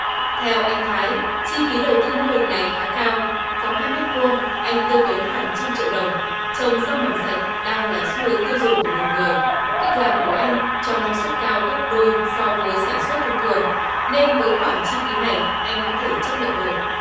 theo anh thái chi phí đầu tư mô hình này khá cao sáu hai mét vuông anh tiêu tốn hàng trăm triệu đồng trồng rau mầm sạch đang là xu hướng tiêu dùng của nhiều người cách làm của anh cho năng suất cao gấp đôi so với sản xuất thông thường nên với khoản chi phí này anh có thể chấp nhận được